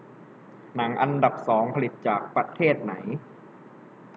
หนังอันดับสองผลิตจากประเทศไหน